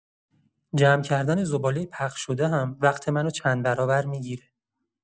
جمع کردن زباله پخش‌شده هم وقت منو چندبرابر می‌گیره.